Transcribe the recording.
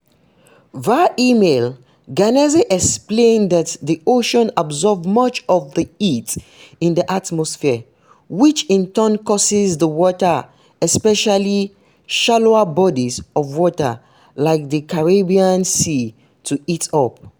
Via email, Ganase explained that the ocean absorbs much of the heat in the atmosphere, which in turn causes the water — especially shallower bodies of water, like the Caribbean Sea — to heat up.